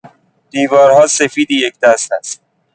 دیوارها سفید یک‌دست است.